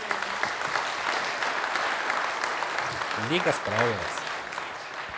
лига справилась